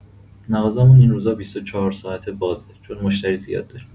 مغازه‌مون این روزا بیست و چهارساعته بازه چون مشتری زیاد داریم.